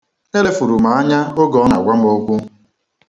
Elefùrù m anya oge ọ na-agwa m okwu.